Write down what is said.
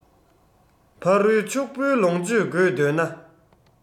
ཕ རོལ ཕྱུག པོའི ལོངས སྤྱོད དགོས འདོད ན